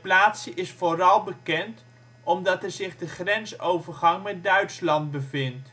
plaatsje is vooral bekend omdat er zich de grensovergang met Duitsland bevindt.